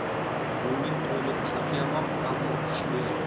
gulning to'ni qirq yamoq ammo xushbo'y